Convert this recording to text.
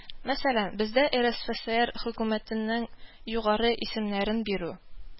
Мәсәлән, бездә РСФСР хөкүмәтенең югары исемнәрен бирү